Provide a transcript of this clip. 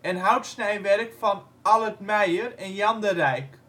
en houtsnijwerk van Allert Meijer en Jan de Rijk